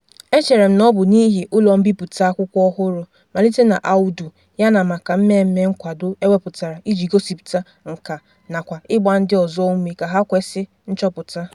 MKH: Echere m na ọ bụ n'ihi ụlọ mbipụta akwụkwọ ọhụrụ, malite na Awoudy, yana maka mmemme nkwado e wepụtara iji gosịpụta nkà nakwa ịgba ndị ọzọ ume ka ha kwesị nchọpụta.